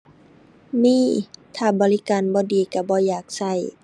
มี ถ้าบริการบ่ดีก็บ่อยากก็